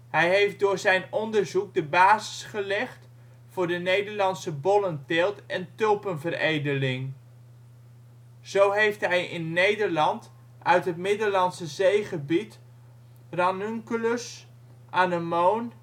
heeft door zijn onderzoek de basis gelegd voor de Nederlandse bollenteelt en tulpenveredeling. Zo heeft hij in Nederland uit het Middellandse Zeegebied ranunculus, anemoon